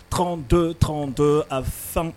Ktɔn ktɔn a fɛn